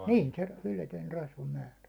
niin se yletön rasvamäärä